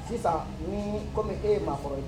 Sisan ni komi e ye maa kɔrɔ